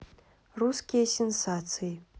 русские сенсации